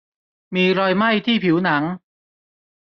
มีรอยไหม้ที่ผิวหนัง